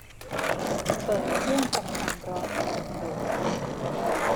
เปิดเครื่องทำความร้อนในห้องครัว